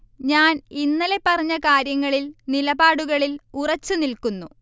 ഞാൻ ഇന്നലെ പറഞ്ഞ കാര്യങ്ങളിൽ, നിലപാടുകളിൽ ഉറച്ചു നില്കുന്നു